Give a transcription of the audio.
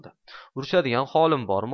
urishadigan holim bormi